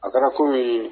A kɛra ko min